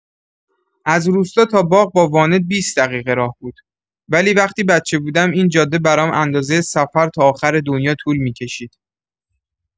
از روستا تا باغ با وانت بیست دقیقه راه بود، ولی وقتی بچه بودم این جاده برام اندازۀ سفر تا آخر دنیا طول می‌کشید.